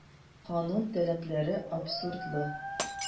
Канун таләпләре абсурдлы.